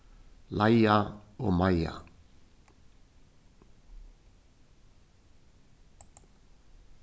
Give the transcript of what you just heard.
leiða og meiða